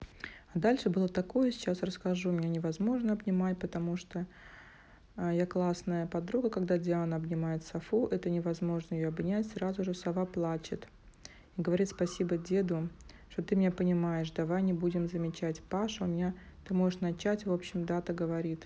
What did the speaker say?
а дальше было такое сейчас расскажу меня невозможно обнимать потому что я классная подруга когда диана обнимает софу это невозможно ее обнять сразу же сова плачет и говорит спасибо деду что ты меня понимаешь давай не будем замечать пашу а меня ты можешь начать и в общем дата говорит